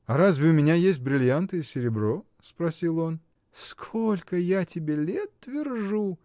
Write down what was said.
— А разве у меня есть бриллианты и серебро?. — спросил он. — Сколько я тебе лет твержу!